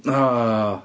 O!